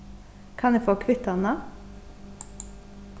kann eg fáa kvittanina